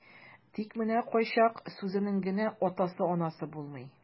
Тик менә кайчак сүзенең генә атасы-анасы булмый.